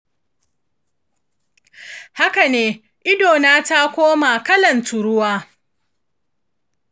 haka ne, idona ta koma kalan toruwa